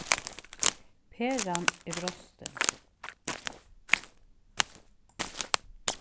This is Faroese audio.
peran er brostin